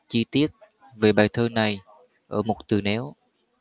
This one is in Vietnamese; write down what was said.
chi tiết về bài thơ này ở mục từ nếu